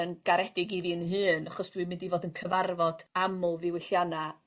yn garedig i fi'n hun achos dw 'n mynd i fod yn cyfarfod aml ddiwyllianna